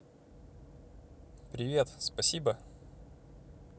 привет спасибо